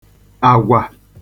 àgwà